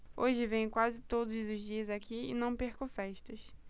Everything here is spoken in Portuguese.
hoje venho quase todos os dias aqui e não perco festas